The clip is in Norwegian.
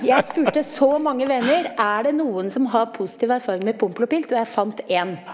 jeg spurte så mange venner, er det noen som har positiv erfaring med Pompel og Pilt, og jeg fant én.